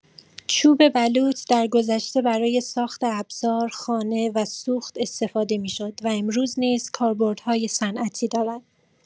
چوب بلوط درگذشته برای ساخت ابزار، خانه و سوخت استفاده می‌شد و امروز نیز کاربردهای صنعتی دارد.